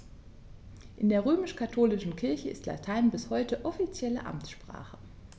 In der römisch-katholischen Kirche ist Latein bis heute offizielle Amtssprache.